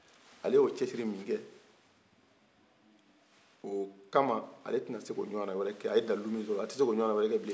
ale y'o cɛsiri min kɛ o kama ale tene se k'o ɲanawɛrɛ kɛ a ye dawulu min sɔrɔ ale te se k'o ɲanan wɛrɛ kɛ bilen